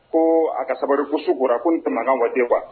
Ko a ka sabaliri ko gra ko tamakan wa wa